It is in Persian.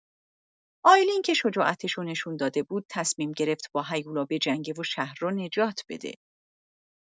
آیلین که شجاعتشو نشون داده بود، تصمیم گرفت با هیولا بجنگه و شهر رو نجات بده.